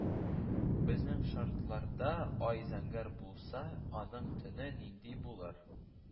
Безнең шартларда ай зәңгәр булса, аның төне нинди булыр